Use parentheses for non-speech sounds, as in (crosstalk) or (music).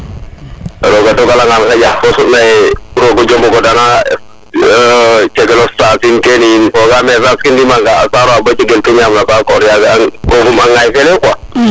roga dogala ngan xaƴa oxu soɓ naye rogo (unintelligible) goda na cegelof saatin kene yiin fogame saas ke ndima ngama bo cegel ke ñama ba kor yaga korum a ŋay fele quoi